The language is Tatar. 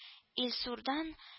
Илсурдан